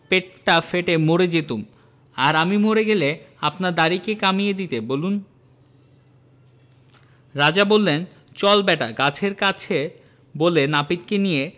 পেটটা ফেটে মরে যেতুমআর আমি মরে গেলে আপনার দাড়ি কে কমিয়ে দিত বলুন রাজা বললেনচল ব্যাটা গাছের কাছে বলে নাপিতকে নিয়ে